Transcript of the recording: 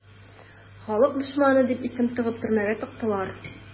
"халык дошманы" дип исем тагып төрмәгә тыктылар.